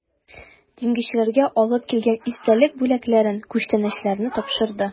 Диңгезчеләргә алып килгән истәлек бүләкләрен, күчтәнәчләрне тапшырды.